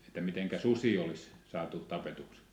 niin että miten susia olisi saatu tapetuksi